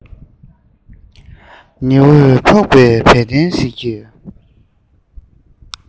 ཉི འོད ཕོག པའི བལ གདན ཞིག གི